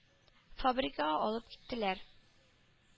Фабрикага алып киттеләр.